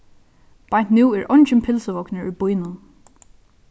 beint nú er eingin pylsuvognur í býnum